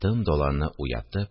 Тын даланы уятып,